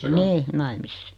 niin naimisissa